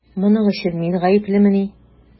Моның өчен мин гаеплемени?